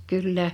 kyllä